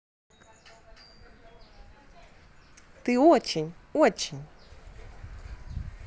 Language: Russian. ты очень очень